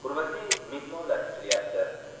hurmatli mehmonlar kutilyapti